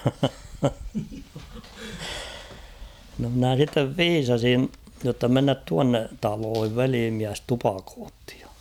no minä sitten viisasin jotta mennään tuonne taloihin velimies tupakoi ja